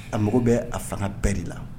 A mago bɛ a fanga bɛɛ de la